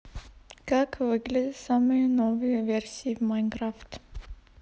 как выглядить самые новые версии в minecraft